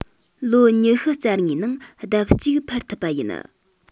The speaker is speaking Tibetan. ལོ ཉི ཤུ རྩ ལྔའི ནང ལྡབ གཅིག འཕར ཐུབ པ ཡིན